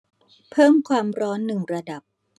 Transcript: เพิ่มความร้อนหนึ่งระดับ